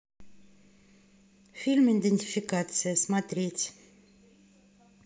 фильм идентификация смотреть